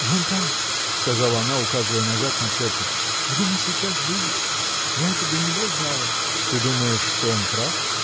— Вон там, — сказала она, указывая назад на церковь, — где мы сейчас были!. Я это до него знала. — Ты думаешь, что он прав?.